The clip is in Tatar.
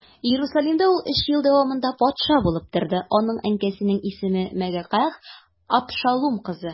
Иерусалимдә ул өч ел дәвамында патша булып торды, аның әнкәсенең исеме Мәгакәһ, Абшалум кызы.